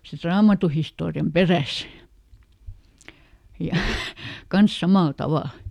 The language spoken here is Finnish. sitten raamattuhistorian perässä ja kanssa samalla tavalla